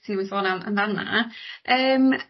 ti wedi sôn am amdan fanna champion yym